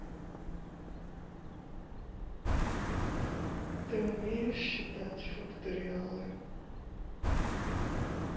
ты умеешь считать факториалы